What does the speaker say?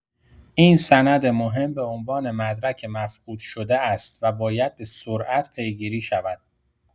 این سند مهم به عنوان مدرک مفقود شده است و باید به‌سرعت پیگیری شود.